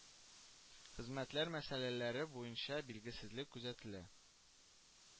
Хезмәтләр мәсьәләләре буенча билгесезлек күзәтелә